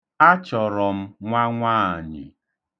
Achọrọ m nwa nwaanyị.